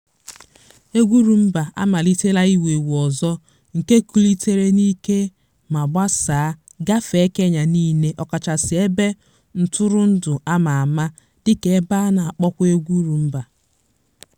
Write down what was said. Egwu Rhumba amalitela iwu ewu ọzọ nke kulitere n'ike ma gbasaa, gafee Kenya niile ọkachasị ebe ntụrụndụ ama ama dịka ebe a na-akpọkwa egwu Rhumba.